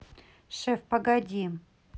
шеф погоди